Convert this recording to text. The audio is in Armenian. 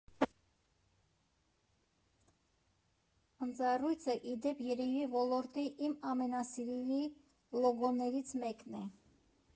Ընձառյուծը, ի դեպ, երևի ոլորտի իմ ամենասիրելի լոգոներից մեկն է։